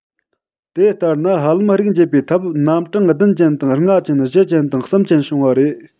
དེ ལྟ ན ཧ ལམ རིགས འབྱེད པའི ཐབས རྣམ གྲངས བདུན ཅན དང ལྔ ཅན དང བཞི ཅན དང གསུམ ཅན བྱུང བ རེད